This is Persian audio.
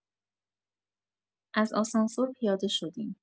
از آسانسور پیاده شدیم.